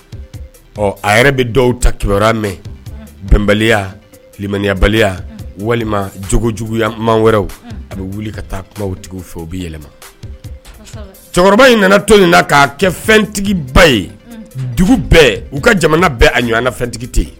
Ɔ a yɛrɛ bɛ dɔw ta kiba mɛn bɛnbaliya yabaliya walima jjuguya man wɛrɛw a bɛ wuli ka taa kuma tigi fɛ u bɛ yɛlɛma cɛkɔrɔba in nana to min na k'a kɛ fɛntigiba ye dugu bɛɛ u ka jamana bɛɛ a ɲɔgɔn fɛntigi tɛ yen